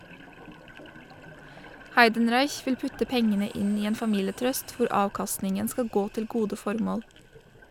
Heidenreich vil putte pengene inn i en familietrust, hvor avkastningen skal gå til gode formål.